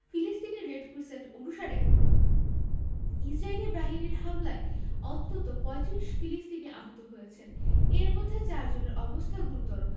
ফিলিস্তিনি red crescent অনুসারে ইসরাইলি বাহিনীর হামলায় অন্তত ৩৫ ফিলিস্তিনি আহত হয়েছেন এর মধ্যে চারজনের অবস্থা গুরুত্বর